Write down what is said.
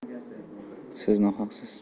siz nohaqsiz